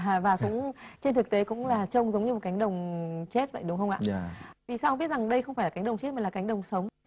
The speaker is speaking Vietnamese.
và cũng trên thực tế cũng là trông giống như một cánh đồng chết vậy đúng không ạ vì sao ông biết rằng đây không phải là cánh đồng chết là cánh đồng sống